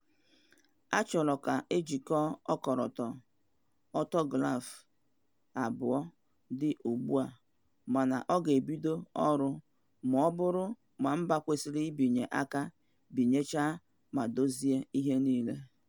Ọ chọrọ ka ojikọ ọkọlọtọ ọtọgrafi abụọ dị ugbua mana ọ ga-ebido ọrụ ma ọ bụrụ na mba kwesiri ibinye aka binyecha ma dozie ihe niile.